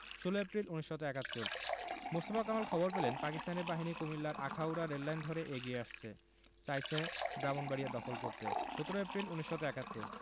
১৬ April ১৯৭১ Mostafa Kamal খবর পেলেন পাকিস্তানি বাহিনী কুমিল্লার আখাউড়া রেললাইন ধরে এগিয়ে আসছে চাইছে ব্রাহ্মনবাড়িয়া দখল করতে ১৭ এপ্রিল ১৯৭১